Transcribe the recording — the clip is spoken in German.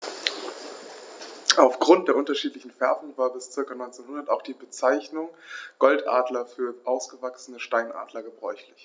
Auf Grund der unterschiedlichen Färbung war bis ca. 1900 auch die Bezeichnung Goldadler für ausgewachsene Steinadler gebräuchlich.